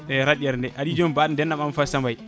eyi roƴƴere nde aɗa yiiya joni mbaɗo no denɗam Amadou Faty Sambay